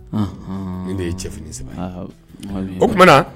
Unhun, nin de ye cɛ fini 3, awɔ. o tumana